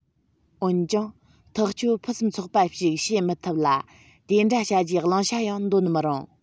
འོན ཀྱང ཐག གཅོད ཕུན སུམ ཚོགས པ ཞིག བྱེད མི ཐུབ ལ དེ འདྲ བྱ རྒྱུའི བླང བྱ ཡང འདོན མི རུང